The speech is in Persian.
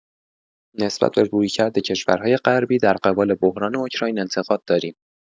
نسبت به رویکرد کشورهای غربی در قبال بحران اوکراین انتقاد داریم.